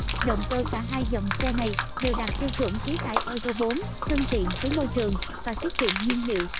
động cơ cả hai dòng xe này đều đạt tiêu chuẩn khí thải euro thân thiện với môi trường và tiết kiệm nhiên liệu